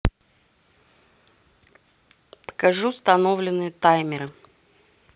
покажи установленные таймеры